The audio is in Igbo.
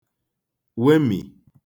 wemì